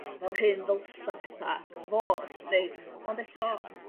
o fel hyn ddylsa petha fod neu... Ond eto